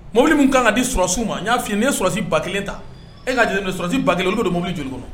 Mobili minnu ka kan ka di sɔrɔsiw ma , n y'a f'i ye , n'i ye sɔsɔrɔsi 1000 ta, e ka jate minɛ ni sɔrɔsi 1000 olu bɛ mobili joli kɔnɔ?